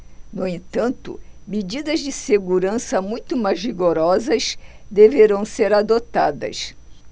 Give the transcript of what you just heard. no entanto medidas de segurança muito mais rigorosas deverão ser adotadas